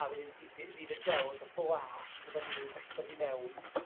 A fydd 'i'n dify-ynt ddifyr gweld y blas fyddan nhw'n gallu dod i mewn